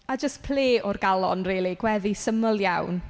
A jyst ple o'r galon rili, gweddi syml iawn.